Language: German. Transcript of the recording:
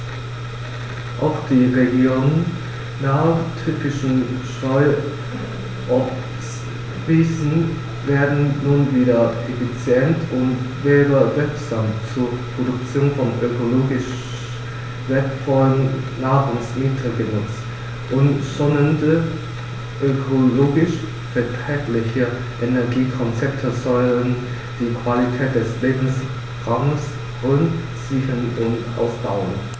Auch die regionaltypischen Streuobstwiesen werden nun wieder effizient und werbewirksam zur Produktion von ökologisch wertvollen Nahrungsmitteln genutzt, und schonende, ökologisch verträgliche Energiekonzepte sollen die Qualität des Lebensraumes Rhön sichern und ausbauen.